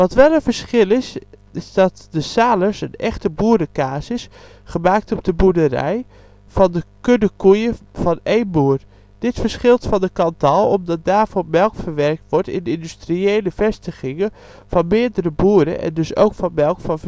wel een verschil is, is dat de Salers een echte boerenkaas is, gemaakt op de boerderij, van de kudde koeien van 1 boer. Dit verschilt van de Cantal, omdat daarvoor melk verwerkt wordt in industriële vestigingen, van meerdere boeren en dus ook van melk van